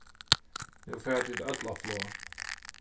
nú fara tit øll á flog